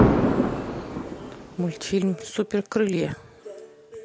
мультфильм супер крылья